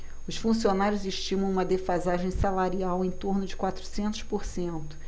os funcionários estimam uma defasagem salarial em torno de quatrocentos por cento